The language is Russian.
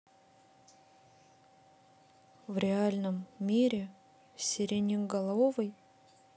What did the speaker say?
в реальном мире сиреноголовый